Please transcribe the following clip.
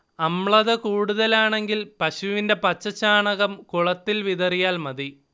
അമ്ലത കൂടുതലെങ്കിൽ പശുവിന്റെ പച്ചച്ചാണകം കുളത്തിൽ വിതറിയാൽമതി